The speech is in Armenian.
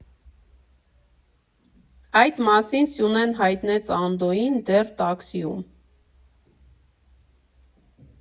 Այդ մասին Սյունեն հայտնեց Անդոյին դեռ տաքսիում։